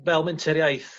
fel menter Iaith...